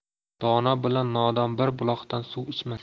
dono bilan nodon bir buloqdan suv ichmas